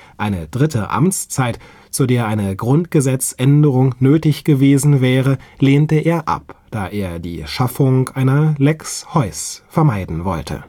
Eine dritte Amtszeit, zu der eine Grundgesetzänderung nötig gewesen wäre, lehnte er ab, da er die Schaffung einer „ lex Heuss “vermeiden wollte